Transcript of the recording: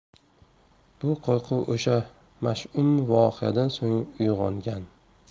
bu qo'rquv o'sha mash'um voqeadan so'ng uyg'ongan